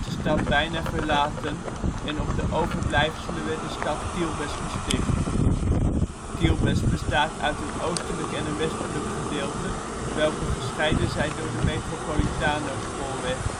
stad bijna verlaten en op de overblijfselen werd de stad Quilmes gesticht. Quilmes bestaat uit een oostelijk en een westelijk gedeelte, welke gescheiden zijn door de Metropolitano spoorweg